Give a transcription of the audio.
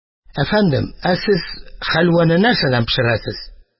Әфәндем, сез хәлвәне нәрсәдән пешерәсез?